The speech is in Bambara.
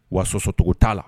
Wa sɔsɔcogo t'a la